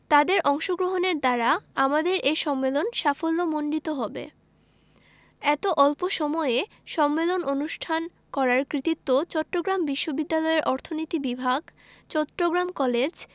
তাদের অংশগ্রহণের দ্বারা আমাদের এ সম্মেলন সাফল্যমণ্ডিত হবে এত অল্প এ সম্মেলন অনুষ্ঠান করার কৃতিত্ব চট্টগ্রাম বিশ্ববিদ্যালয়ের অর্থনীতি বিভাগ চট্টগ্রাম কলেজ